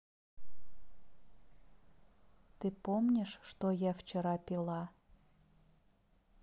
ты помнишь что я вчера пила